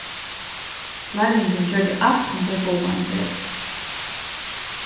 lærlingurin gjørdi alt sum tey bóðu hann gera